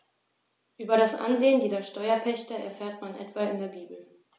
Über das Ansehen dieser Steuerpächter erfährt man etwa in der Bibel.